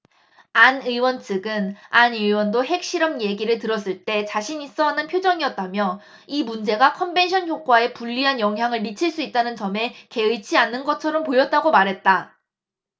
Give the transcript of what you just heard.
안 의원 측은 안 의원도 핵실험 얘기를 들었을 때 자신있어 하는 표정이었다며 이 문제가 컨벤션효과에 불리한 영향을 미칠 수 있다는 점에 개의치 않는 것처럼 보였다고 말했다